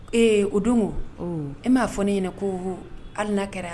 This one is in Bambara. Ee o don ko e m'a fɔ ne ɲɛna ko hali n'a kɛra